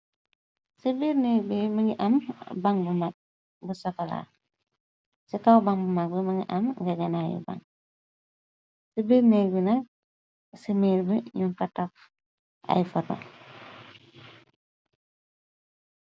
Ci biirnéek bi më ngi am ban bu mag bu sokolaa ci kaw ban bu mag bi më ngi am gégena yu ban ci biirnég bu na si miir bi ñu fataf ay foto.